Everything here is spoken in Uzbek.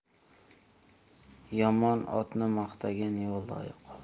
yomon otni maqtagan yolda qolar